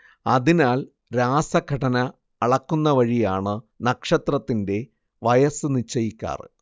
അതിനാൽ രാസഘടന അളക്കുന്നവഴിയാണ് നക്ഷത്രത്തിന്റെ വയസ്സ് നിശ്ചയിക്കാറ്